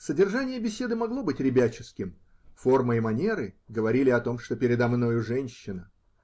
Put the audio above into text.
Содержание беседы могло быть ребяческим, форма и манеры говорили о том, что передо мною женщина.